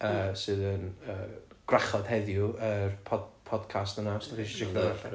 yy sydd yn yy Gwrachod Heddiw yr pod- podcast yna os dach chi isio tsiecio hwnna allan